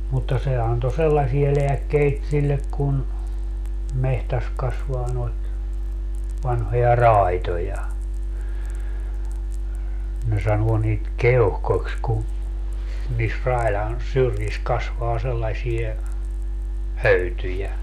mutta se antoi sellaisia lääkkeitä sille kun metsässä kasvaa noita vanhoja raitoja ne sanoo niitä keuhkoiksi kun niissä raidan syrjissä kasvaa sellaisia höytyjä